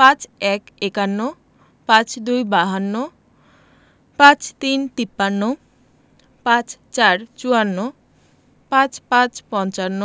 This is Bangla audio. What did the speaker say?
৫১ একান্ন ৫২ বাহান্ন ৫৩ তিপ্পান্ন ৫৪ চুয়ান্ন ৫৫ পঞ্চান্ন